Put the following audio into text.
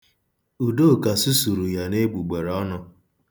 Udoka susuru ya n'egbugbereọnụ.